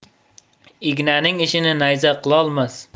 ignaning ishini nayza qilolmas